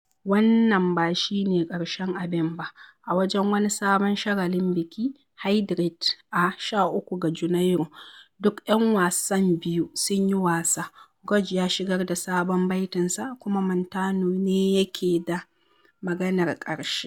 Wannan ba shi ne ƙarshen abin ba: a wajen wani sabon shagalin biki, "Hydrate", a 13 ga Janairu, duk 'yan wasan biyu sun yi wasa. George ya shigar da sabon baitinsa kuma Montano ne yake da maganar ƙarshe: